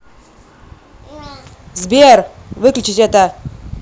сбер выключить это